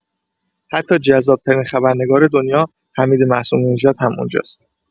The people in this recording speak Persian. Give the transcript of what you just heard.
حتی جذاب‌ترین خبرنگار دنیا، حمید معصومی نژاد، هم اونجاست.